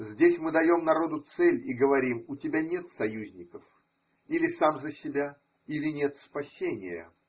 Здесь мы даем народу цель и говорим: у тебя нет союзников – или сам за себя, или нет спасения.